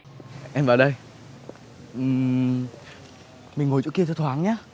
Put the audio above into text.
em vào đây ừ mình ngồi chỗ kia cho thoáng nhá